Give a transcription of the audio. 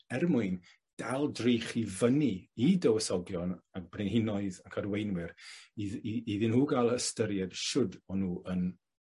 er mwyn dal drych i fyny i dywysogion a brenhinoedd ac arweinwyr i- i- iddyn nhw ga'l r ystyried shwd o' nw yn